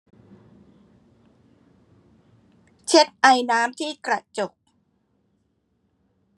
เช็ดไอน้ำที่กระจก